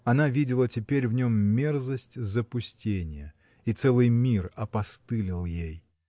Она видела теперь в нем мерзость запустения — и целый мир опостылел ей.